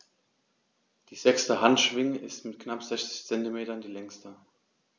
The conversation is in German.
Die sechste Handschwinge ist mit knapp 60 cm die längste.